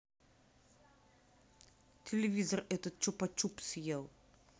телевизор этот чупа чуп съел